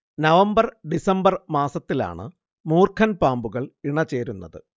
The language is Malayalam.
നവംബർ ഡിസംബർ മാസത്തിലാണ് മൂർഖൻ പാമ്പുകൾ ഇണചേരുന്നത്